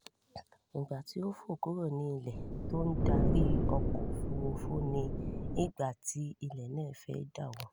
Ìgbà tí ó fò kúrò ní ilé tó ń darí ọkọ̀-òfúrufú ni ìgbà tí ilé náà fẹ́ dà wó.